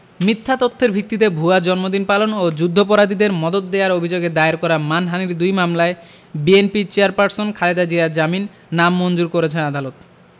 মিথ্যা তথ্যের ভিত্তিতে ভুয়া জন্মদিন পালন ও যুদ্ধপরাধীদের মদদ দেওয়ার অভিযোগে দায়ের করা মানহানির দুই মামলায় বিএনপির চেয়ারপারসন খালেদা জিয়ার জামিন নামঞ্জুর করেছেন আদালত